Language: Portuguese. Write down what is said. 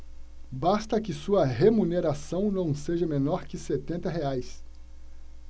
basta que sua remuneração não seja menor que setenta reais